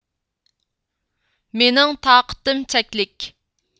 مېنىڭ تاقىتىم چەكلىك